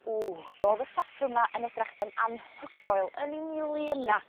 Ww do'dd y saffrwm 'na yn egrach yn amhygoel yn 'i miliyna.